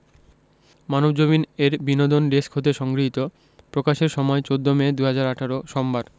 মানবজমিন এর বিনোদন ডেস্ক হতে সংগৃহীত প্রকাশের সময় ১৪ মে ২০১৮ সোমবার